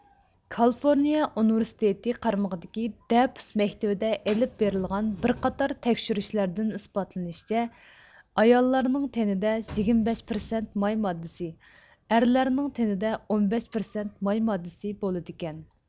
كالىفورنىيە ئۇنىۋېرسىتېتى قارىمىقىدىكى دەپۈس مەكتىۋىدە ئېلىپ بېرىلغان بىر قاتار تەكشۈرۈشلەردىن ئىسپاتلىنىشىچە ئاياللارنىڭ تېنىدە يىگىرمە بەش پىرسەنت ماي ماددىسى ئەرلەرنىڭ تېنىدە ئون بەش پىرسەنت ماي ماددىسى بولىدىكەن